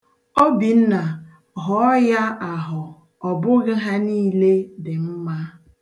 Obinna, họọ ya ahọ. Ọ bụghị ha niile dị mma.